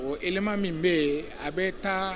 O elima min bɛ yen a bɛ taa